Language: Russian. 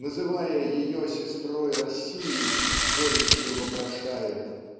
называя ее сестрой России с горечью вопрошает